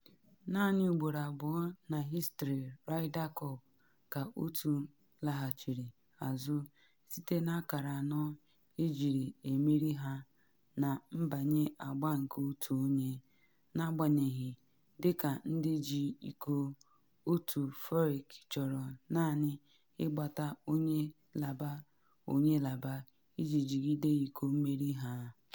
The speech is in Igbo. Naanị ugboro abụọ na hịstrị Ryder Cup ka otu laghachiri azụ site na akara anọ ejiri emeri ha na mbanye agba nke otu onye, n’agbanyeghị dịka ndị ji iko, otu Furyk chọrọ naanị ịgbata onye laba, onye laba iji jigide iko mmeri ha.